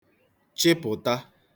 chịpụ̀ta